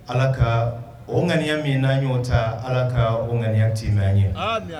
Ala ka o ŋaniya min n' ɲɔgɔn ta ala ka o ŋani ci ye